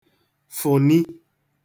fụ̀ni